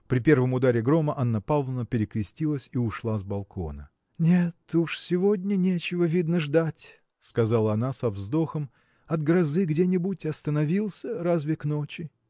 При первом ударе грома Анна Павловна перекрестилась и ушла с балкона. – Нет уж сегодня нечего видно ждать – сказала она со вздохом – от грозы где-нибудь остановился разве к ночи.